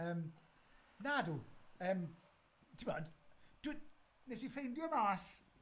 Yym, nadw, yym, ti'mod, dw- nes i ffeindio mas